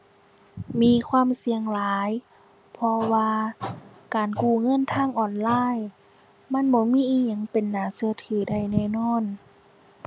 มีความเสี่ยงหลาย เพราะว่าการกู้เงินทางออนไลน์ มันบ่มีอิหยังเป็นน่าเชื่อถือได้แน่นอน